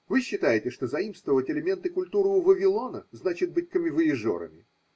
Вы считаете, что заимствовать элементы культуры у Вавилона значит быть коммивояжерами